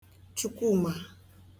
Chukwumà